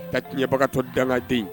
Ta tinɲɛbagatɔ, dangaden in.